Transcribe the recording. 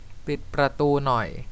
ปิดประตูหน่อย